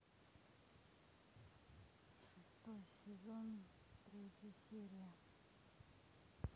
шестой сезон третья серия